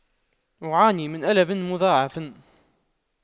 أعاني من ألم مضاعف